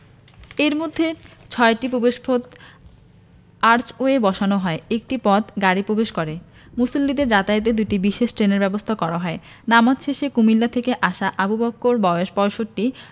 এর মধ্যে ছয়টি প্রবেশপথে আর্চওয়ে বসানো হয় একটি পথ গাড়ি প্রবেশ করে মুসল্লিদের যাতায়াতে দুটি বিশেষ ট্রেনের ব্যবস্থা করা হয় নামাজ শেষে কুমিল্লা থেকে আসা আবু বক্কর বয়স ৬৫